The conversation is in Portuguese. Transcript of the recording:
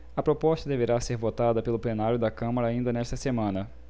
a proposta deverá ser votada pelo plenário da câmara ainda nesta semana